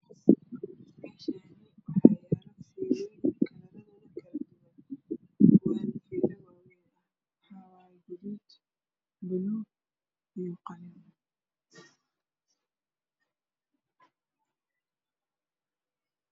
Meeshani waxaa yaalo digsi oo sijarka ah iyagoo labo nooc ah gudud iyo madow waxaa kaloo kamuuqda qaando